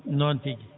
noon tigi